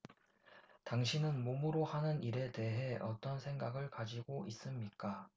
당신은 몸으로 하는 일에 대해 어떤 생각을 가지고 있습니까